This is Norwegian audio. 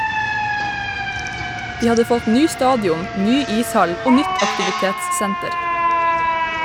De hadde fått ny stadion, ny ishall og nytt aktivitetssenter.